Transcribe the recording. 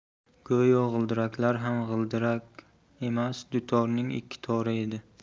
go'yo g'ildiraklar ham g'ildirak emas dutorning ikki tori edi